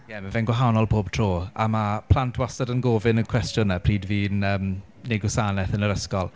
Ie ma' fe'n gwahanol bob tro, a ma' plant wastad yn gofyn y cwestiwn 'na pryd fi yn yym wneud gwasanaeth yn yr ysgol.